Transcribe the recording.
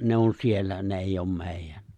ne on siellä ne ei ole meidän